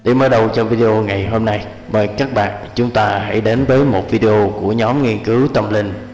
để mở đầu cho video ngày hôm nay mời các bạn chúng ta hãy đến với một video của nhóm nghiên cứu tâm linh